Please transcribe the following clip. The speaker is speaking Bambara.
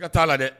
I ka t taaa la dɛ